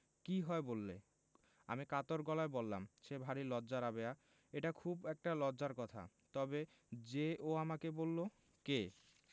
কি হয় বললে আমি কাতর গলায় বললাম সে ভারী লজ্জা রাবেয়া এটা খুব একটা লজ্জার কথা তবে যে ও আমাকে বললো কে